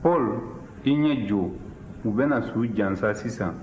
paul i ɲɛ jo u bɛ na su jansa sisan